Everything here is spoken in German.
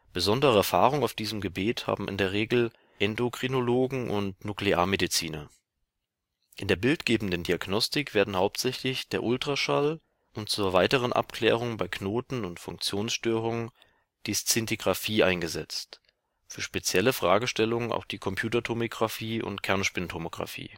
Besondere Erfahrung auf diesem Gebiet haben in der Regel Endokrinologen und Nuklearmediziner. In der bildgebenden Diagnostik werden hauptsächlich der Ultraschall und zur weiteren Abklärung bei Knoten und Funktionsstörungen die Szintigrafie eingesetzt, für spezielle Fragestellungen auch die Computertomografie und Kernspintomografie